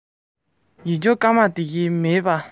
དྲོན མོ ཞིག བཙལ ནས